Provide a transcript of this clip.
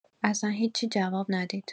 اصلا هیچی جواب ندید.